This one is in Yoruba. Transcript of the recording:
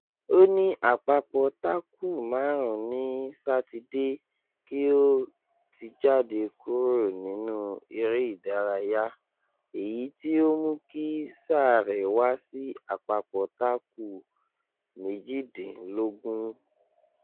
ó ní àpapọ̀ tákù marùn ún ní Sátidé kí ó tí jáde kúrò nínú eré ìdárayá náà, èyí tí ó mú kí sáà rẹ̀ wá sí àpapọ̀ táku 18.